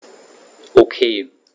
Okay.